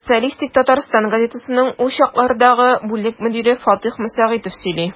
«социалистик татарстан» газетасының ул чаклардагы бүлек мөдире фатыйх мөсәгыйтов сөйли.